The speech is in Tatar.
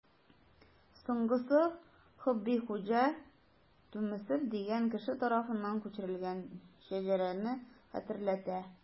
Соңгысы Хөббихуҗа Тюмесев дигән кеше тарафыннан күчерелгән шәҗәрәне хәтерләтә.